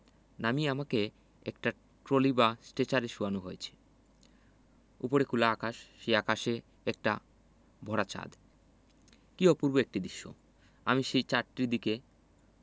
নামিয়ে আমাকে একটা ট্রলি বা স্ট্রেচারে শোয়ানো হয়েছে ওপরে খোলা আকাশ সেই আকাশে একটা ভরা চাঁদ কী অপূর্ব একটি দৃশ্য আমি সেই চাঁদটির দিকে